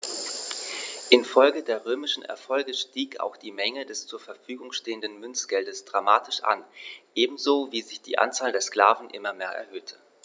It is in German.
Infolge der römischen Erfolge stieg auch die Menge des zur Verfügung stehenden Münzgeldes dramatisch an, ebenso wie sich die Anzahl der Sklaven immer mehr erhöhte.